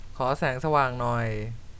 ขอแสงสว่างหน่อย